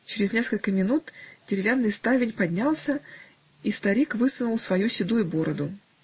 Через несколько минут деревянный ставень поднялся, и старик высунул свою седую бороду.